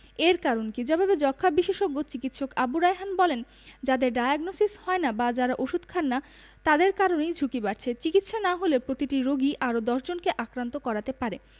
এর কারণ কী জবাবে যক্ষ্মা বিশেষজ্ঞ চিকিৎসক আবু রায়হান বলেন যাদের ডায়াগনসিস হয় না বা যারা ওষুধ খান না তাদের কারণেই ঝুঁকি বাড়ছে চিকিৎসা না হলে প্রতিটি রোগী আরও ১০ জনকে আক্রান্ত করাতে পারে